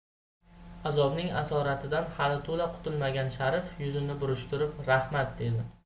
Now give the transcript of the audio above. azobning asoratidan hali to'la qutulmagan sharif yuzini burishtirib rahmat dedi